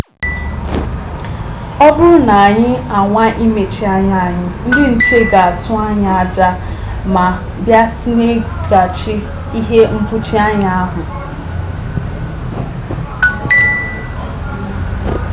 Ọ bụrụ na anyị anwaa imechi anya anyị, ndị nche ga-atụ anyị aja. Ma bịa tinyeghachi ihe mkpuchi anya ahụ.